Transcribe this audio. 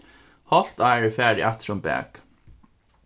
hálvt ár er farið aftur um bak